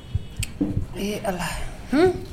Ee Ala ! huun!